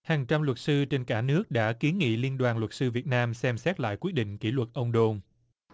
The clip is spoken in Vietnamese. hàng trăm luật sư trên cả nước đã kiến nghị liên đoàn luật sư việt nam xem xét lại quyết định kỷ luật ông đồn